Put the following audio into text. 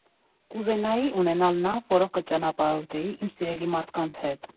Կուզենայի ունենալ նավ, որով կճանապարհորդեի իմ սիրելի մարդկանց հետ։